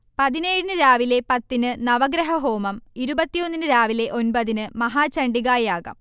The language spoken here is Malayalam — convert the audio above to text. പതിനേഴിന് രാവിലെ പത്തിന് നവഗ്രഹഹോമം, ഇരുപത്തിയൊന്നിന് രാവിലെ ഒൻപതിന് മഹാചണ്ഡികായാഗം